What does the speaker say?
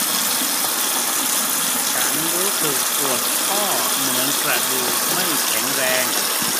ฉันรู้สึกปวดข้อเหมือนกระดูกไม่แข็งแรง